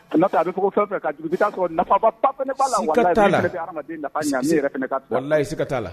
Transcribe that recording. O n'a tɛ a bɛ fɔ fɛn o fɛn ka jugu,i bɛ ta sɔrɔ nafa ba fana b'a la. Siga t'a la. Walahi min fana bɛ adamaden nafa ɲɛ, min yɛrɛ fana ta Walahi, siga t'a la.